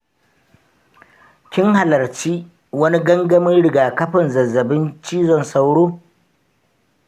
kin halarci wani gangamin rigakafin zazzabin cizon sauro?